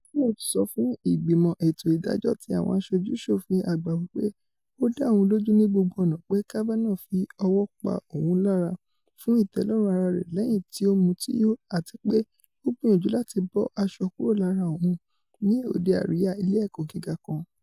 Ford sọ fún Ìgbîmọ̀ Ètò Ìdájọ́ ti Àwọn Àṣojú-ṣòfin Àgbà wí pé ó dá òun lójù ní gbogbo ọ̀nà pé Kavanaugh fí ọwọ́ pa òun lára fún ìtẹ́lọ́rún ara rẹ lẹ́yìn tí ó mutíyò àtipé ó gbìyànjú láti bọ aṣọ kúrò lára òun ní òde àríya ilé-ẹ̀kọ́ gíga kan.